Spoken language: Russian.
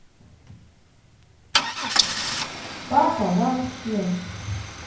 папа вообще